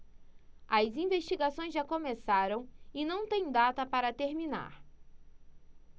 as investigações já começaram e não têm data para terminar